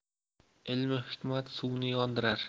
ilm u hikmat suvni yondirar